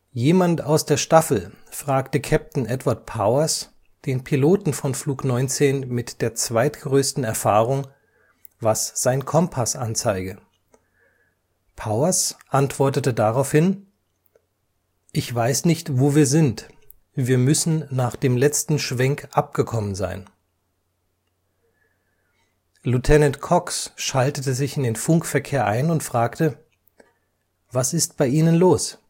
Jemand aus der Staffel fragte Captain Edward Powers, den Piloten von Flug 19 mit der zweitgrößten Erfahrung, was sein Kompass anzeige. Powers antwortete daraufhin: „ Ich weiß nicht, wo wir sind, wir müssen nach dem letzten Schwenk abgekommen sein. “Lieutenant Cox schaltete sich in den Funkverkehr ein und fragte: „ Was ist bei Ihnen los